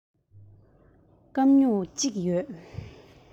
སྐམ སྨྱུག གཅིག ཡོད